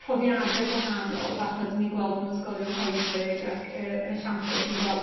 profiade gwahanol fath a 'dyn ni'n gweld mewn ysgolion coedwig ac yrr yr esiample 'dyn ni'n gweld